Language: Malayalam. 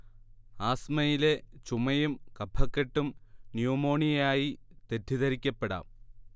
ആസ്മയിലെ ചുമയും കഫക്കെട്ടും ന്യുമോണിയയായി തെറ്റിദ്ധരിക്കപ്പെടാം